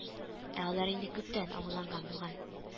Ә алар инде күптән агуланган булган